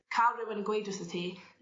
ca'l rywun yn gweud wrthot ti